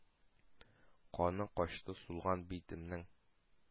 Каны качты сулган битемнең.